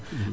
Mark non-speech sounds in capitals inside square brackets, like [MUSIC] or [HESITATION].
[HESITATION] [HESITATION]